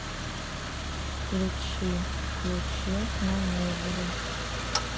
включи включи нам игры